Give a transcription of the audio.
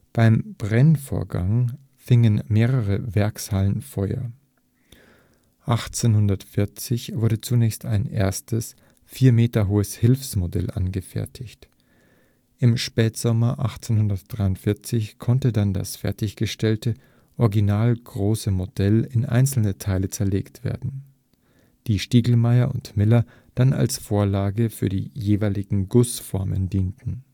Beim Brennvorgang fingen mehrere Werkstatthallen Feuer. 1840 wurde zunächst ein erstes, vier Meter hohes Hilfsmodell angefertigt. Im Spätsommer 1843 konnte dann das fertiggestellte originalgroße Modell in einzelne Teile zerlegt werden, die Stiglmaier und Miller dann als Vorlage für die jeweiligen Gussformen dienten